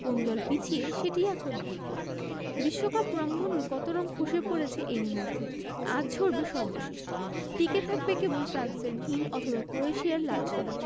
কোন দল পিছিয়ে সেটিই এখন মুখ্য বিশ্বকাপ রংধনুর কত রং খসে পড়েছে এরই মধ্যে আজ ঝরবে সর্বশেষটি টিকে থাকবে কেবল ফ্রান্সের নীল অথবা ক্রোয়েশিয়ার লাল সাদা